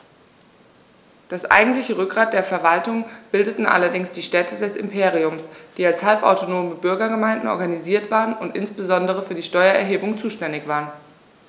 Das eigentliche Rückgrat der Verwaltung bildeten allerdings die Städte des Imperiums, die als halbautonome Bürgergemeinden organisiert waren und insbesondere für die Steuererhebung zuständig waren.